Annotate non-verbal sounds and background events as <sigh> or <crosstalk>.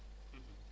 <hesitation> <hesitation>